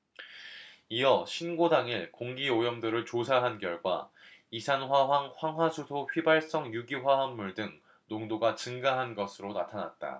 이어 신고 당일 공기오염도를 조사한 결과 이산화황 황화수소 휘발성유기화합물 등 농도가 증가한 것으로 나타났다